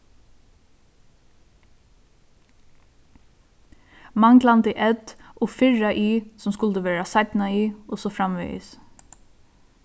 manglandi ð og fyrra i sum skuldi vera y og so framvegis